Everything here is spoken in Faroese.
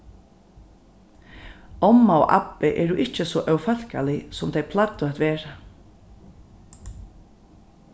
omma og abbi eru ikki so ófólkalig sum tey plagdu at vera